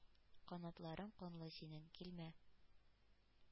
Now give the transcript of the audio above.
Канатларың канлы синең, килмә!